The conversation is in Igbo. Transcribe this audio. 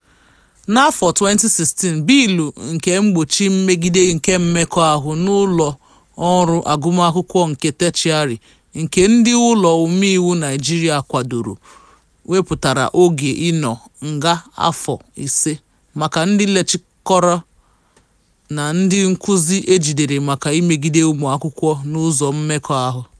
Na 2016, "Bịịlụ nke Mgbochi Mmegide Kemmekọahụ n'Ụlọọrụ Agụmakwụkwọ nke Teshịarị", nke ndị Ụlọ Omeiwu Naịjirịa kwadoro wepụtara oge ịnọ nga afọ 5 maka ndị lekịchọra na ndị nkuzi e jidere maka imegide ụmụ akwụkwọ n'ụzọ mmekọahụ.